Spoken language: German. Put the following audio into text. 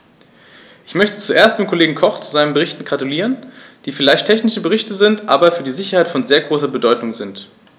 Ich möchte zuerst dem Kollegen Koch zu seinen Berichten gratulieren, die vielleicht technische Berichte sind, aber für die Sicherheit von sehr großer Bedeutung sind.